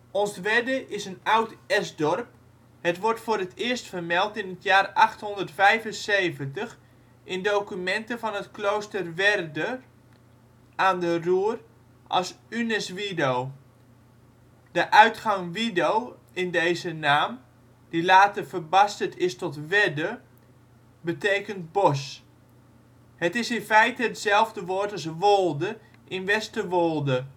Onstwedde is een oud esdorp; het wordt voor het eerst vermeld in het jaar 875 in documenten van het klooster Werden aan de Ruhr als Uneswido. De uitgang wido in deze naam, die later verbasterd is tot wedde, betekent bos. Het is in feite hetzelfde woord als wolde in Westerwolde